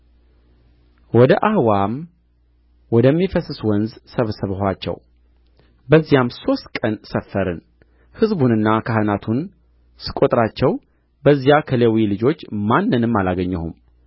ወደ አኅዋም ወደሚፈስስ ወንዝ ሰበሰብኋቸው በዚያም ሦስት ቀን ሰፈርን ሕዝቡንና ካህናቱን ስቈጥራቸው በዚያ ከሌዊ ልጆች ማንንም አላገኘሁም